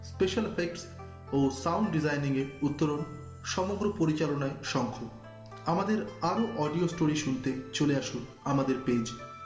special effects ও sound designing এ উত্তরণ সমগ্র পরিচালনায় শঙ্খ আমাদের আরো অডিও স্টোরি শুনতে চলে আসুন আমাদের পেজ